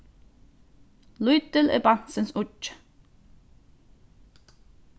lítil er barnsins uggi